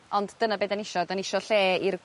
Ond dyna be' 'dan ni isio 'dan ni isio lle i'r